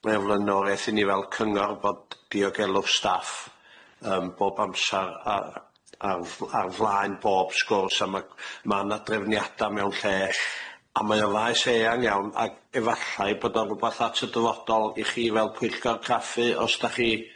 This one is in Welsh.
Mae o flaenoreth i ni fel cyngor bod diogelwch staff yym bob amsar a a'r f- ar flaen bob sgwrs a ma' ma' na drefniada mewn lle a mae o faes eang iawn ag efallai bod o rwbath at y dyfodol i chi fel pwyllgor graffu os da'chi